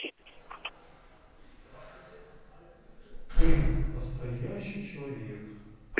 ты настоящий человек